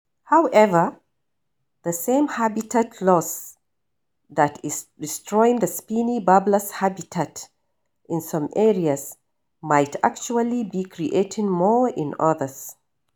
However, the same habitat loss that is destroying the Spiny Babbler's habitat in some areas might actually be creating more in others.